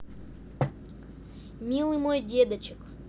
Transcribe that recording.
милый мой дедочек